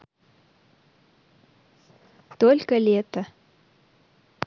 только лето